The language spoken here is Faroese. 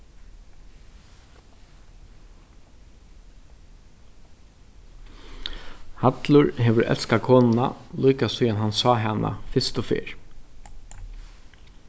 hallur hevur elskað konuna líka síðani hann sá hana fyrstu ferð